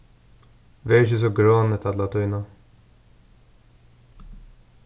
ver ikki so gronut alla tíðina